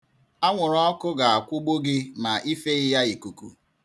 Anwụrụọkụ ga-akwụgbu gị ma ifeghị ya ikuku.